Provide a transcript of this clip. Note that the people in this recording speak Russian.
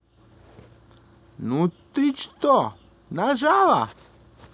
ну ты что нажала